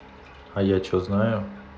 а я че знаю